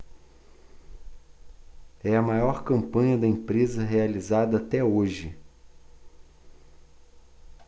é a maior campanha da empresa realizada até hoje